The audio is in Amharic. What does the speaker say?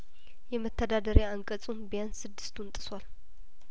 የመተዳደሪያአንቀጹን ቢያንስ ስድስቱን ጥሷል